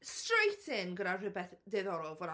Straight in gyda rhywbeth diddorol fel 'na.